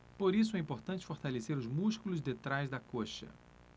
por isso é importante fortalecer os músculos de trás da coxa